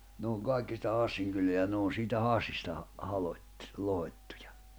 ne on kaikki sitä Hassin kylää ja ne on siitä Hassista - lohkottu